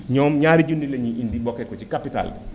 ñoom ñaari junni la ñuy indi bokkee ko ci capital